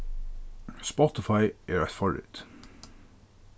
spotify er eitt forrit